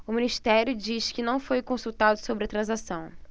o ministério diz que não foi consultado sobre a transação